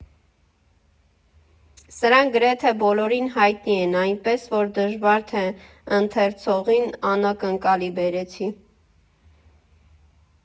Սրանք գրեթե բոլորին հայտնի են, այնպես որ դժվար թե ընթերցողին անակնկալի բերեցի։